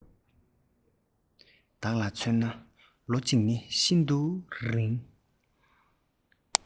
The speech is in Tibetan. བདག ལ མཚོན ན ལོ གཅིག ནི ཤིན ཏུ རིང